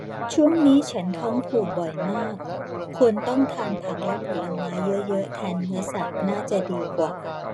ช่วงนี้ฉันท้องผูกบ่อยมากควรต้องทานผักและผลไม้เยอะเยอะแทนเนื้อสัตว์น่าจะดีกว่า